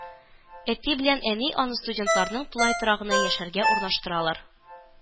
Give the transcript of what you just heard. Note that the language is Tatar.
Әти белән әни аны студентларның тулай торагына яшәргә урнаштыралар